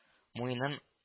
Муенын